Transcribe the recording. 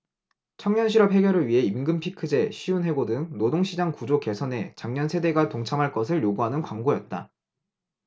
청년실업 해결을 위해 임금피크제 쉬운 해고 등 노동시장 구조 개선에 장년 세대가 동참할 것을 요구하는 광고였다